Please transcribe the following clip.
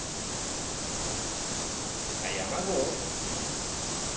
а я могу